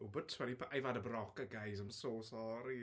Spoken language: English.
Oh but tr... I've had a Berocca guys. I'm so sorry.